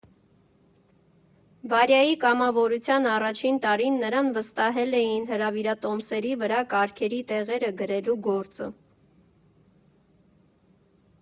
Վարյայի կամավորության առաջին տարին նրան վստահել էին հրավիրատոմսերի վրա կարգերի տեղերը գրելու գործը։